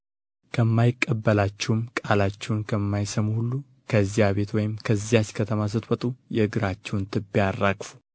ከማይቀበላችሁም ቃላችሁንም ከማይሰሙ ሁሉ ከዚያ ቤት ወይም ከዚያች ከተማ ስትወጡ የእግራችሁን ትቢያ አራግፉ